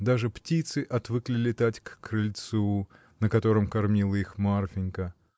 Даже птицы отвыкли летать к крыльцу, на котором кормила их Марфинька.